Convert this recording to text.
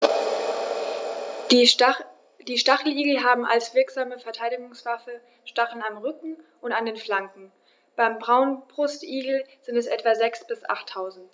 Die Stacheligel haben als wirksame Verteidigungswaffe Stacheln am Rücken und an den Flanken (beim Braunbrustigel sind es etwa sechs- bis achttausend).